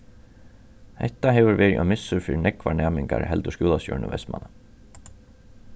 hetta hevur verið ein missur fyri nógvar næmingar heldur skúlastjórin í vestmanna